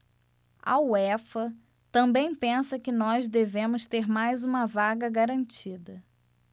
a uefa também pensa que nós devemos ter mais uma vaga garantida